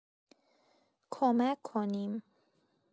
کمک کنیم.